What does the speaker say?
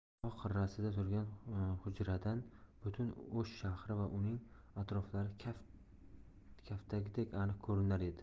tog' qirrasida turgan hujradan butun o'sh shahri va uning atroflari kaftdagidek aniq ko'rinar edi